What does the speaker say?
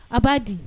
A b'a di